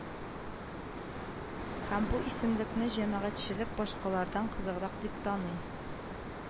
Һәм бу исемлекне җәмәгатьчелек башкалардан кызыграк дип таный